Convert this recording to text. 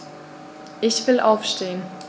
Ich will aufstehen.